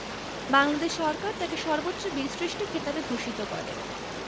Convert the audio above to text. বাংলাদেশ সরকার তাঁকে সর্বোচ্চ বীরশ্রেষ্ঠ খেতাবে ভূষিত করে